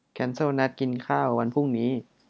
แคนเซิลนัดกินข้าววันพรุ่งนี้